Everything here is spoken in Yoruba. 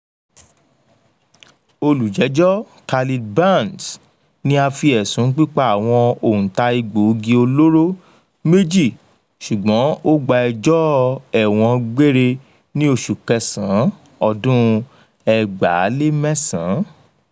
Olùjẹ́jọ́ Khalid Barnes, ni a fi ẹ̀sùn pípa àwọn oǹtà egbògi olóró méjì ṣùgbọ́n ó gba ẹjọ́ ẹ̀wọ̀n gbére ní oṣù kẹsàn-án ọdún 2009.